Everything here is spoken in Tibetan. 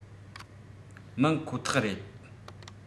མིན ཁོ ཐག རེད